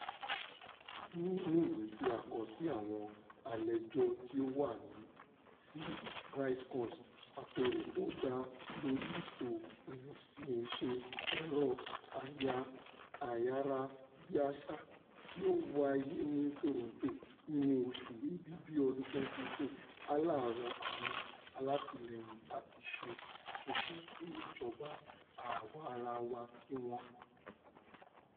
Ní inú ìwé tí a kọ sí àwọn àlejò tí ó wá sí RightsCon, àpérò tó dá lórí ẹ̀tọ́ irinṣẹ́ ẹ̀rọ-ayárabíaṣá tí ó wáyé ní Toronto nínú oṣù Èbìbì ọdún 2018, Alaa rọ àwọn alátìlẹ́yìn láti “ṣe àtúnṣe sí ìjọba àwa-arawa ti wọn”.